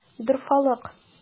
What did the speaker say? Дорфалык!